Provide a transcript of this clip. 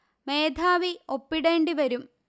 മേധാവി ഒപ്പിടേണ്ടിവരും